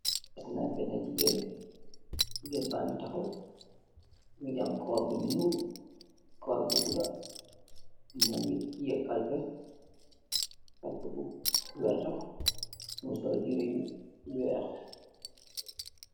Gisna bena gigain, gigain baangy takhaw, mungy am kawar bu njull, kawar bu guda, mohngy tiyeh kalpeh, kalpeh bu vertah, mu sol yehreh yu wekh.